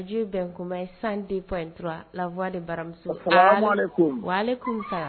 Bi ye bɛn ko ma ye 102.3 la voie de baramuso. Alo Salamuhalekume. Waleykoum salam.